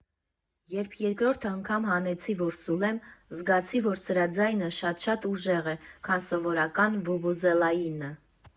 Երբ երկրորդ անգամ հանեցի, որ սուլեմ, զգացի, որ սրա ձայնը շատ֊շատ ուժեղ է, քան սովորական վուվուզելայինը։